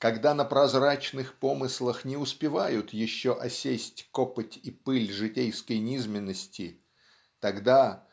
когда на прозрачных помыслах не успевают еще осесть копоть и пыль житейской низменности тогда